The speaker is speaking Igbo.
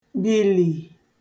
bìlì